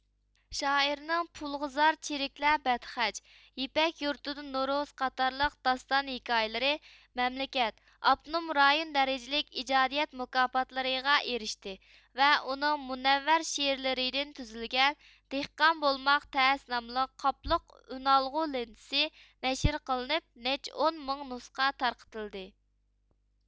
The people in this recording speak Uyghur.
شائىرنىڭ پۇلغا زار چىرىكلەر بەدخەچ يىپەك يۇرتىدا نورۇز قاتارلىق داستان ھېكايىلىرى مەملىكەت ئاپتونۇم رايون دەرىجىلىك ئىجادىيەت مۇكاپاتلىرىغا ئېرىشتى ۋە ئۇنىڭ مۇنەۋۋەر شىئېرلىردىن تۈزۈلگەن دېھقان بولماق تەس ناملىق قاپلىق ئۈنئالغۇ لېنتىسى نەشىر قىلنىپ نەچچە ئون مىڭ نۇسخا تارقىتىلدى